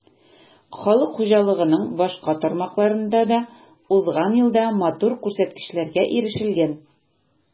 Халык хуҗалыгының башка тармакларында да узган елда матур күрсәткечләргә ирешелгән.